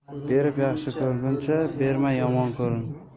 berib yaxshi ko'ringuncha bermay yomon ko'rin